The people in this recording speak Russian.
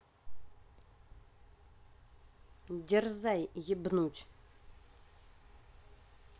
дерзай ебнуть